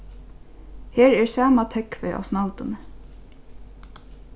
her er sama tógvið á snælduni